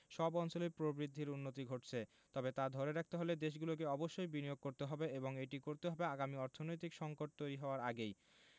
সব অঞ্চলেই প্রবৃদ্ধির উন্নতি ঘটছে তবে তা ধরে রাখতে হলে দেশগুলোকে অবশ্যই বিনিয়োগ করতে হবে এবং এটি করতে হবে আগামী অর্থনৈতিক সংকট তৈরি হওয়ার আগেই